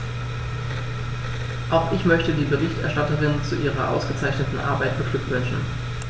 Auch ich möchte die Berichterstatterin zu ihrer ausgezeichneten Arbeit beglückwünschen.